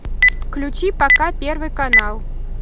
включи пока первый канал